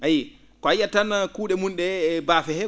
a yiyii ko yiyat tan kuu?e mun ?ee e baafe hee